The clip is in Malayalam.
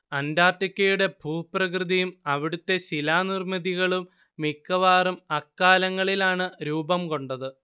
അന്റാർട്ടിക്കയുടെ ഭൂപ്രകൃതിയും അവിടുത്തെ ശിലാനിർമ്മിതികളും മിക്കവാറും അക്കാലങ്ങളിലാണ് രൂപം കൊണ്ടത്